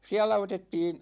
siellä otettiin